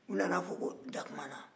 u nan'a fɔ ko dakumana